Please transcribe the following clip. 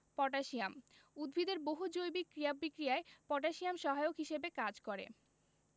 potassium উদ্ভিদের বহু জৈবিক ক্রিয়া বিক্রিয়ায় পটাশিয়াম সহায়ক হিসেবে কাজ করে